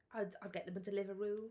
I'd... I'll get them a Deliveroo.